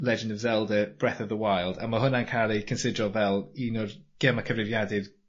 Legend of Zelda Breath of the Wild a ma' hwnna'n ca'l ei cynsidro fel un o'r geme cyfrifiadur